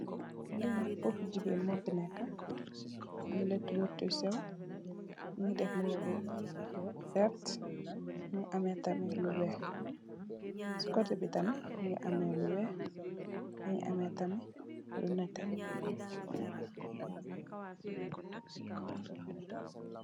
Lii nak boopu jigéen moo fi neekë, mu ngi lëëtu leetu yu sew, mu ngi sol lu werta, mu ngi amee tamit lu weex, si kotte bi tamit mu ngi amee lu weex, mu ngi amee tamit lu nétté.